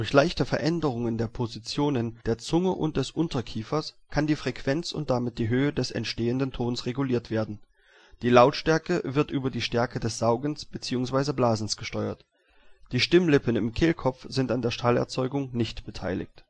leichte Veränderungen der Positionen der Zunge und des Unterkiefers kann die Frequenz und damit die Höhe des entstehenden Tons reguliert werden, die Lautstärke (Intensität) wird über die Stärke des Saugens bzw. Blasens gesteuert. Die Stimmlippen im Kehlkopf sind an der Schallerzeugung nicht beteiligt